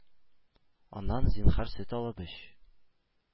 Аннан: “Зинһар, сөт алып эч,